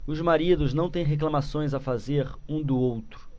os maridos não têm reclamações a fazer um do outro